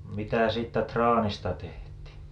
mitä siitä traanista tehtiin